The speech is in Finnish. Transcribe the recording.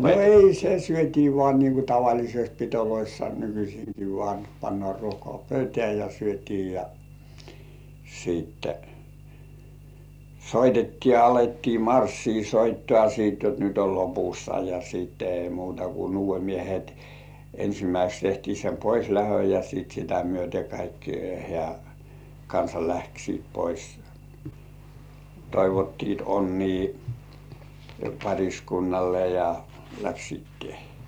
no ei se syötiin vain niin kuin tavallisesti pidoissa nykyisinkin vain pannaan ruokaa pöytään ja syötiin ja sitten soitettiin ja alettiin marssia soittoa sitten jotta nyt on lopussa ja sitten ei muuta kuin nuodemiehet ensimmäiseksi tehtiin sen poislähdön ja sitten sitä myöten kaikki - hääkansa lähtivät pois toivottivat onnea pariskunnalle ja lähtivät töihin